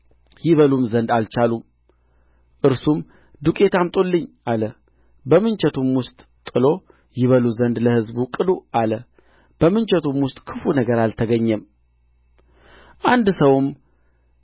መትሮም በወጡ ምንቸት ውስጥ ጨመረው ምን እንደ ሆነ ግን አላወቁም ሰዎቹም ይበሉ ዘንድ ቀዱ ወጡንም በቀመሱ ጊዜ የእግዚአብሔር ሰው ሆይ በምንቸቱ ውስጥ ሞት አለ ብለው ጮኹ